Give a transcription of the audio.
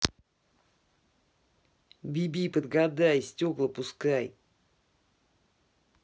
би би подгадай стекла пускай